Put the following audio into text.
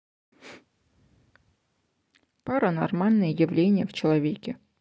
паранормальные явления в человеке